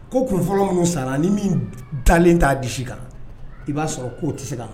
Ko kunfɔlɔ minnu sara ni min dalen t'a di kan i b'a sɔrɔ k'o tɛ se kan